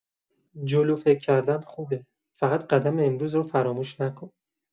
جلو فکر کردن خوبه، فقط قدم امروز رو فراموش نکن.